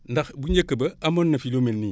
ndax bu njëkk ba amoon na fi lu mel nii